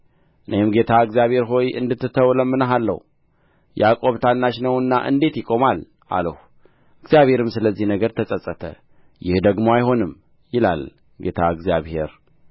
እኔም ጌታ እግዚአብሔር ሆይ እንድትተው እለምንሃለሁ ያዕቆብ ታናሽ ነውና እንዴት ይቆማል አልሁ እግዚአብሔርም ስለዚህ ነገር ተጸጸተ ይህ ደግሞ አይሆንም ይላል ጌታ እግዚአብሔር